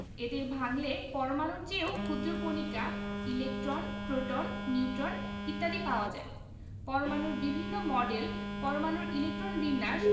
এদের ভাঙলে পরমাণুর চেয়েও ক্ষুদ্র কণিকা ইলেকট্রন প্রোটন নিউট্রন ইত্যাদি পাওয়া যায় পরমাণুর বিভিন্ন মডেল পরমাণুর ইলেকট্রন বিন্যাস